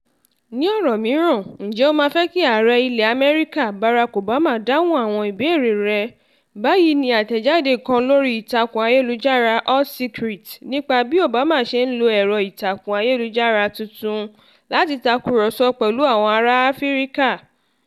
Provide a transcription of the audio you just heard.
Ní ọ̀rọ̀ mìíràn, ǹjẹ́ o máa fẹ́ kí ààrẹ ilẹ̀ Amẹ́ríkà, Barack Obama dáhùn àwọn ìbéèrè rẹ?, "báyìí ní àtẹ̀jáde kan lórí ìtàkùn ayélujára Hot secrets nípa bí Obama ṣe ń lo ẹ̀rọ ìtàkùn ayélujára tuntun láti takùrọsọ pẹ̀lú àwọn ará Áfríkà.